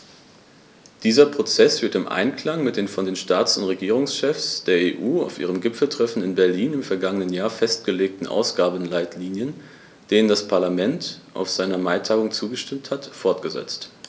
Dieser Prozess wird im Einklang mit den von den Staats- und Regierungschefs der EU auf ihrem Gipfeltreffen in Berlin im vergangenen Jahr festgelegten Ausgabenleitlinien, denen das Parlament auf seiner Maitagung zugestimmt hat, fortgesetzt.